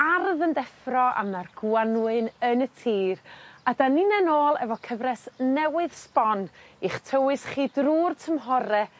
ardd yn deffro a ma'r Gwanwyn yn y tir a 'dan ninnau nôl efo cyfres newydd sbon i'ch tywys chi drw'r tymhore